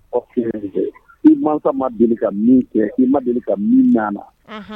i masa ma deli ka min kɛ, i ma deli ka min mɛ a la, unhun.